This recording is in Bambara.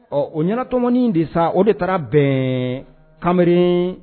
Ɔ o ɲɛnatɔmɔni de sa o de taara bɛn kamalen